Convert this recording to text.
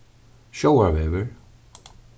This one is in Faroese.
sjóvarvegur